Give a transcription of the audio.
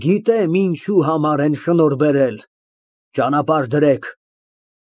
Գիտեմ ինչի համար են շնորհ բերել։ Ճանապարհ դրեք։